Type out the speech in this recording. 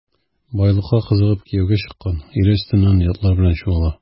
Байлыкка кызыгып кияүгә чыккан, ире өстеннән ятлар белән чуала.